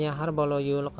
har baloga yo'liqar